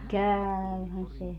käyhän se